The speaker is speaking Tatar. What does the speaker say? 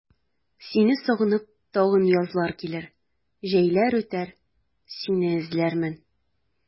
Сине сагынып тагын язлар килер, җәйләр үтәр, сине эзләрмен.